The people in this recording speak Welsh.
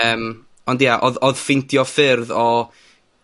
Yym, ond, ia, odd odd ffeindio ffyrdd o